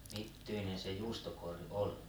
mittyinen se juustokori oli